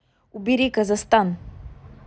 убери казахстан